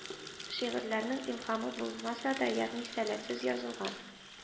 Шигырьләрнең илһамы булмаса да, ягъни сәләтсез язылган